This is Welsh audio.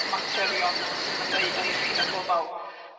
y materion sydd yn ymwneud â iechyd a gofal?